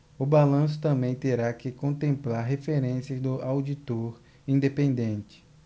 o balanço também terá que contemplar referências do auditor independente